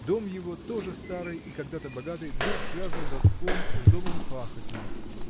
Дом его, тоже старый и когда-то богатый, был связан родством с домом Пахотиных.